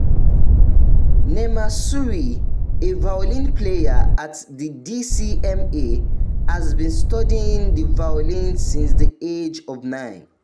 Neema Surri, a violin player at the DCMA, has been studying the violin since the age of 9.